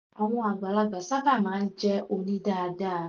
Àwọn àgbàlagbà sáábà máa ń jẹ́ onídáadáa.